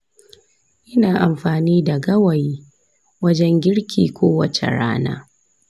ina amfani da gawayi wajen girki kowace rana.